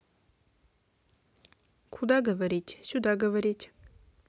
куда говорить сюда говорить